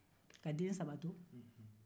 ka den saba to